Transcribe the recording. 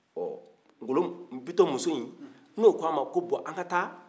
ɔ bitɔn muso in n'o ko a ma ko bɔn an ka taa